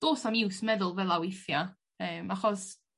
Do's na'm iws meddwl fel 'a weithia' yym achos